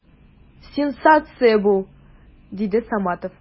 Сенсация бу! - диде Саматов.